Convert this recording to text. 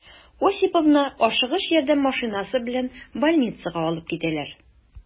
Осиповны «Ашыгыч ярдәм» машинасы белән больницага алып китәләр.